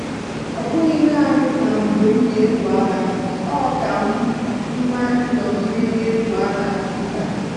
Ọ bụghị naanị na mgbe m na-egwu ala, ọ ka mma ịnọgide na-egwu ala, mba.